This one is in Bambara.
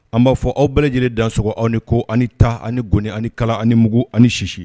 An b'a fɔ aw bɛɛ lajɛlen dansɔgɔ aw ni ko ani ta ani goni ani kala ani mugug ani sisi